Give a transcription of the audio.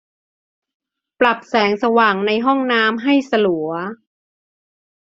ปรับแสงสว่างในห้องน้ำให้สลัว